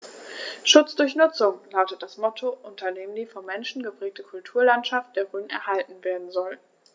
„Schutz durch Nutzung“ lautet das Motto, unter dem die vom Menschen geprägte Kulturlandschaft der Rhön erhalten werden soll.